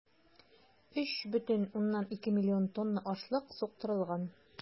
3,2 млн тонна ашлык суктырылган.